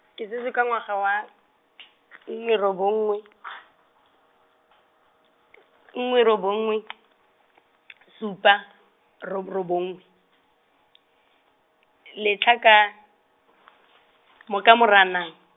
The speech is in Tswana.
ke tsetswe ka ngwaga wa , nngwe robongwe , nngwe robongwe , supa, rob- robongwe, letlha ka , mo ka Moranang.